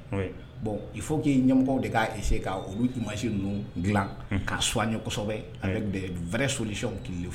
Bon ifɔ k'i ɲɛmɔgɔ de k'se k' olu masi ninnu dila ka syesɛbɛ a bɛɛrɛ solisi tile de fɛ